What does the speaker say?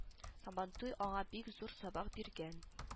Сабантуй аңа бик зур сабак биргән